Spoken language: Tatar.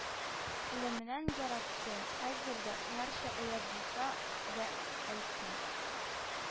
Лемнән яраттым, хәзер дә, гәрчә оят булса да әйтим,